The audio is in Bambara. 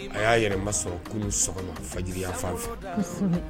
A y'a yɛrɛ ma sɔrɔ kunun sokɔnɔ fajriya fa fɛ